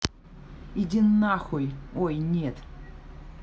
иди нахуй ой нет